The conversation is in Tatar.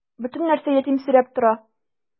Бөтен нәрсә ятимсерәп тора.